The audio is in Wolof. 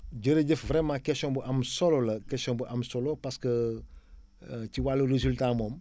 jërëjëf vraiment question bu am solo la question bu am solo parce que ci wàllu résultat moom